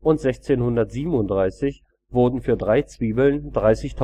und 1637 wurden für drei Zwiebeln 30.000